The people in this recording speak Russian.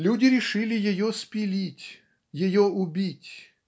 Люди решили ее спилить, ее убить.